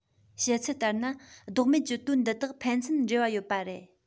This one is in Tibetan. བཤད ཚུལ ལྟར ན ལྡོག མེད ཀྱི དོན འདི དག ཕན ཚུན འབྲེལ བ ཡོད པ རེད